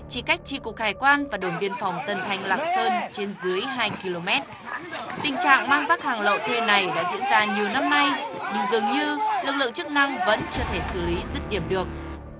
chỉ cách chi cục hải quan và đồn biên phòng tân thanh lạng sơn trên dưới hai ki lô mét tình trạng mang vác hàng lậu thuê này đã diễn ra nhiều năm nay nhưng dường như lực lượng chức năng vẫn chưa thể xử lý dứt điểm được